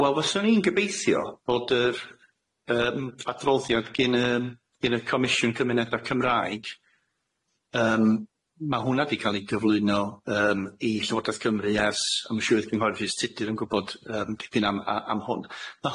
W- wel fyswn i'n gobeithio bod yr yym adroddiad gin yym gin y Comisiywn Cymunedau Cymraeg, yym ma' hwnna di ca'l ei gyflwyno yym i Llywodraeth Cymru ers ym siŵr oedd ynghorydd Rhys Tudur yn gwbod yym dipyn am a- am hwn.